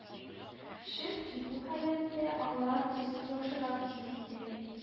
Чөнки бу халәттә алар үзен яхшырак хис итә